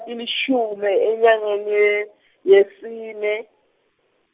-imishume enyangeni ye- yesine.